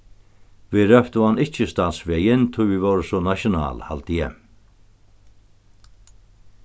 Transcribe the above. vit róptu hann ikki statsvegin tí vit vóru so national haldi eg